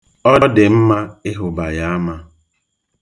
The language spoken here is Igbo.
Ọ dị mma ịhuba ya ama.